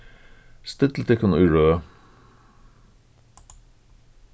stillið tykkum í røð